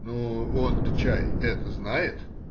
— Но он-то, чай, это знает?